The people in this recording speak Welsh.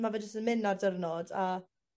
Ma' fe jys yn mynd ar di'rnod a